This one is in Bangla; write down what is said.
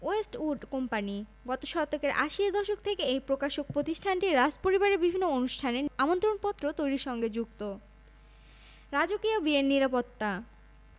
মেগান Markle Ralph and Russo ব্র্যান্ডের কোনো পোশাক পরতে পারেন ধবধবে সাদা গাউনে না সেজে মেগানের অন্য কোন রঙের গাউন পরার সম্ভাবনাই বেশি